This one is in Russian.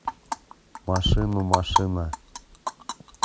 машину машина